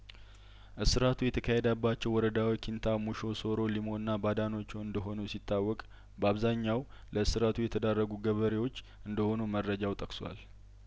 እስራቱ የተካሄዳባቸው ወረዳዎች ኪን ታብ ሞሾ ሶሮ ሊሙና ባዳኖቾ እንደሆኑ ሲታወቅ በአብዛኛው ለእስራቱ የተዳረጉት ገበሬዎች እንደሆኑ መረጃው ጠቅሷል